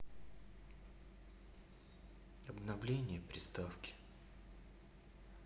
обновление приставки